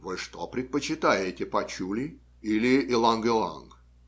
Вы что предпочитаете - пачули или иланг-иланг?